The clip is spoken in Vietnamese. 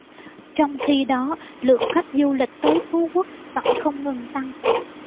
trong khi đó lượng khách du lịch tới phú quốc vẫn không ngừng tăng